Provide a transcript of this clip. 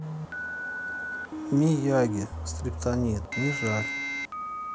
miyagi скриптонит не жаль